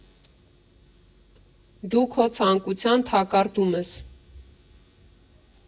Դու քո ցանկության թակարդում ես։